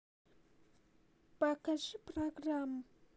покажи программу